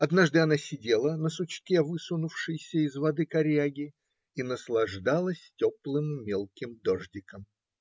Однажды она сидела на сучке высунувшейся из воды коряги и наслаждалась теплым мелким дождиком.